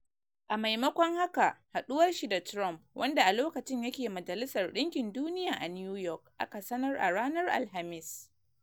A maimakon haka, haduwar shi da Trump, wanda a lokacin yake Majalisar Dinkin Duniya a New York, aka sanar a ranar Alhamis.